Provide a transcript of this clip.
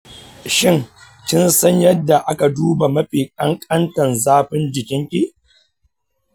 shin kin san yadda aka duba mafi ƙanƙantan zafin jikin ki?